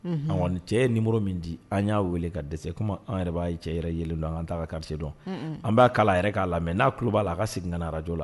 Kɔni cɛ ye ni muru min di an y'a wele ka dɛsɛse kuma an yɛrɛ b'a ye cɛ yɛrɛ ye don an taa ka dɔn an b'a kala yɛrɛ k'a la mɛ n'a tulo b'a la a ka sigi arajo la